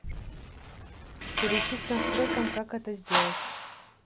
перейти к настройкам как это сделать